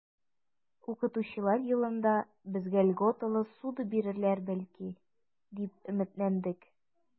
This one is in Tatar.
Укытучылар елында безгә льготалы ссуда бирерләр, бәлки, дип өметләндек.